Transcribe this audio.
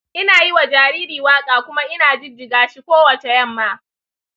ina yi wa jariri waƙa kuma ina jijjiga shi kowace yamma.